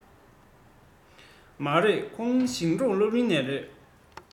མ རེད ཁོང ཞིང འབྲོག སློབ གླིང ནས རེད